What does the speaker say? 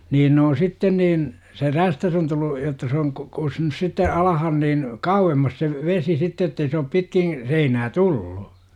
niin ne on sitten niin se räystäs on tullut jotta se on - kussut sitten alas niin kauemmas se vesi sitten että ei se ole pitkin seinää tullut